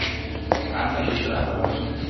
An kashe shi a gabansu.